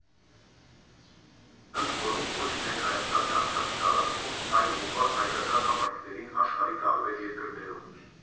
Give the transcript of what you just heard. Ընդ որում, ոչ միայն Հայաստանի և Արցախի տարածքում, այլև՝ ուղղված հայկական համայնքներին աշխարհի տարբեր երկրներում։